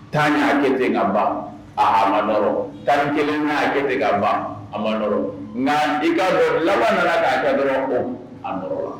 10 ya kɛ ten ka ban a ma nɔrɔ, 11 nan ya kɛ ten ka ban a ma nɔrɔ. Nga i ka dɔn laban nana ka kɛ dɔrɔn a nɔrɔla.